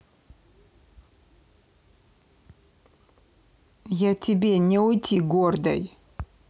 я тебе не уйти гордой